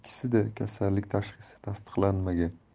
ikkisida kasallik tashxisi tasdiqlanmagan